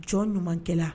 Jɔn ɲumankɛla